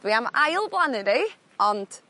dwi am ail blannu rei ond